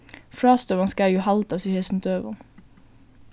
frástøðan skal jú haldast í hesum døgum